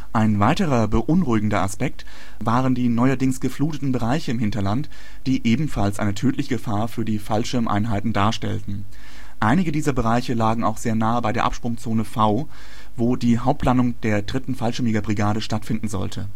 Ein weiterer beunruhigender Aspekt waren die neuerdings gefluteten Bereiche im Hinterland, die ebenfalls eine tödliche Gefahr für die Fallschirmeinheiten darstellten. Einige dieser Bereiche lagen auch sehr nahe bei der Absprungzone V, wo die Hauptlandung der 3. Fallschirmjägerbrigade stattfinden sollte